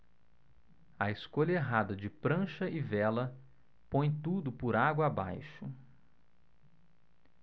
a escolha errada de prancha e vela põe tudo por água abaixo